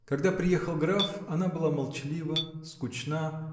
Когда приехал граф, она была молчалива, скучна